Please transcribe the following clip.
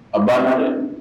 A banna